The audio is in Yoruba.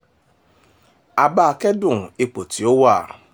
A bá a kẹ́dùn ipò tí ó wà.